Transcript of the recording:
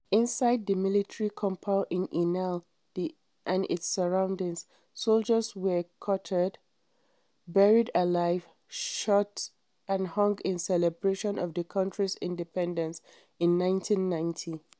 Inside the military compound in Inal and its surroundings, soldiers were quartered, buried alive, shot, and hung in celebration of the country's independence in 1990.